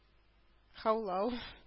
Һаулау